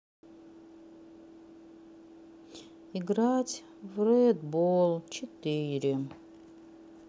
играть в ред болл четыре